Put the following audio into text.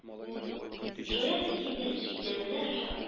Шаян тиен дә, чикләвекләр ашап